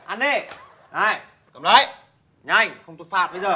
ăn đi này cầm lấy nhanh không tôi phạt bây giờ